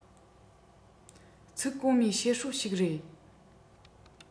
ཚིག གོང མའི བཤད སྲོལ ཞིག རེད